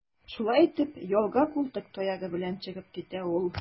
Шулай итеп, ялга култык таягы белән чыгып китә ул.